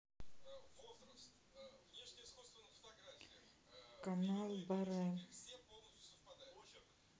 канал барэ